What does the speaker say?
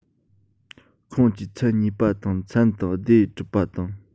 ཁོངས ཀྱིས ཚན གཉིས པ དང ཚན དང སྡེ གྲུབ པ དང